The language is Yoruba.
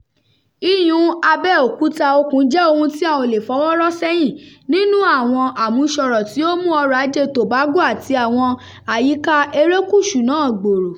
Iyùn-un abẹ́ òkúta òkun jẹ́ ohun tí a ò leè fọwọ́ rọ́ sẹ́yìn nínú àwọn àmúṣọrọ̀ tí ó ń mú ọrọ̀ Ajé Tobago àti àwọn àyíká erékùṣù náà gbòòrò.